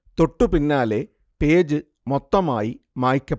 തൊട്ടു പിന്നാലെ പേജ് മൊത്തമായി മായ്ക്കപ്പെട്ടു